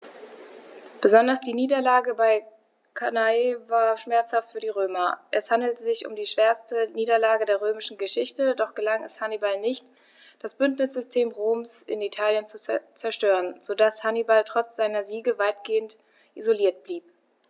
Besonders die Niederlage bei Cannae war schmerzhaft für die Römer: Es handelte sich um die schwerste Niederlage in der römischen Geschichte, doch gelang es Hannibal nicht, das Bündnissystem Roms in Italien zu zerstören, sodass Hannibal trotz seiner Siege weitgehend isoliert blieb.